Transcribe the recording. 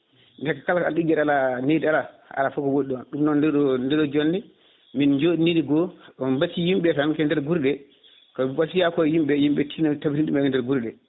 gaati kala * ala leydi ala ala foof ko woni ɗon ɗum noon nde ɗo nde ɗo jonde min joɗanide goho on mbasi yimɓe tan koye nder guure ɗe ko wasiyako yimɓe yimɓe tinno tabitina ɗum e nder guure ɗe